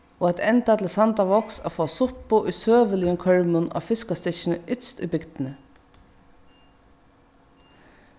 og at enda til sandavágs at fáa suppu í søguligum kørmum á fiskastykkinum ytst í bygdini